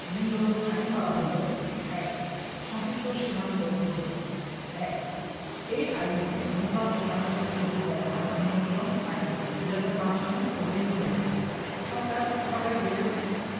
নিম্নরূপ আইন করা হইল ১ সংক্ষিপ্ত শিরোনাম ও প্রবর্তনঃ ১ এই আইনে ধূমপান ও তামাকজাত দ্রব্য ব্যবহার নিয়ন্ত্রণ আইন ২০০৫ নামে অভিহিত হইবে ২ সরকার সরকারী গেজেটে